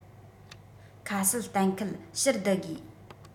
ཁ གསལ གཏན འཁེལ ཕྱིར བསྡུ དགོས